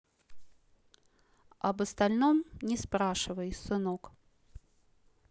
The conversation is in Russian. об остальном не спрашивай сынок